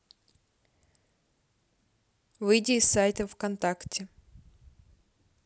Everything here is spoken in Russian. выйди из сайта вконтакте